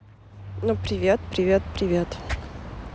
ну привет привет привет